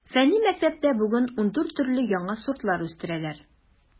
Фәнни мәктәптә бүген ундүрт төрле яңа сортлар үстерәләр.